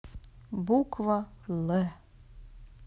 буква лэ